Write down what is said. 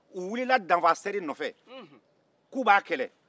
u wulila danfasɛri nɔfɛ k'u b'a kɛlɛ